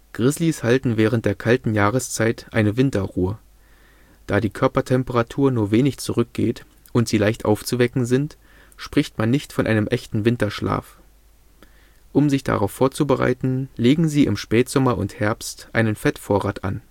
Grizzlys halten während der kalten Jahreszeit eine Winterruhe. Da die Körpertemperatur nur wenig zurückgeht und sie leicht aufzuwecken sind, spricht man nicht von einem echten Winterschlaf. Um sich darauf vorzubereiten, legen sie im Spätsommer und Herbst einen Fettvorrat an